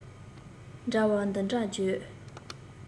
འདྲ བར འདི འདྲ བརྗོད